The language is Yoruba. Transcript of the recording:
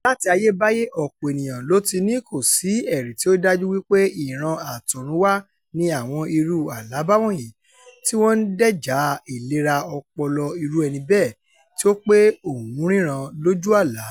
Láti ayébáyé, ọ̀pọ̀ ènìyàn ló ti ní kò sí ẹ̀rí tí ó dájú wípé ìran àt'ọ̀run wá ni àwọn irú àlá báwọ̀nyí, tí wọn ń dẹ́jàá ìlera ọpọlọ irú ẹni bẹ́ẹ̀ tí ó pé òún ríran lójú àlá.